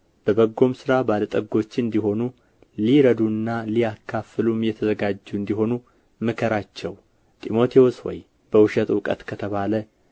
በበጎም ሥራ ባለ ጠጎች እንዲሆኑ ሊረዱና ሊያካፍሉም የተዘጋጁ እንዲሆኑ ምከራቸው ጢሞቴዎስ ሆይ በውሸት እውቀት ከተባለ